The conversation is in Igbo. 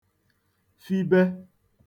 fibe